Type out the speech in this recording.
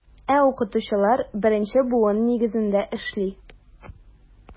Ә укытучылар беренче буын нигезендә эшли.